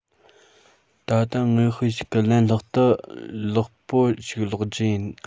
ད དུང དངོས དཔེ ཞིག གིས ལན ལྷག ཏུ ལེགས པོ ཞིག སློག རྒྱུ ཡིན